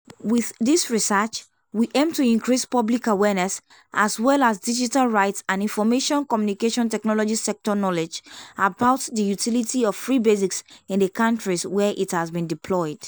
With this research, we aim to increase public awareness, as well as digital rights and Information Communication Technology sector knowledge about the utility of Free Basics in the countries where it has been deployed.